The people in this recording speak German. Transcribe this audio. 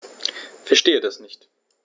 Verstehe das nicht.